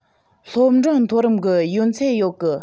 སློབ འབྲིང མཐོ རིམ གི ཡོན ཚད ཡོས གི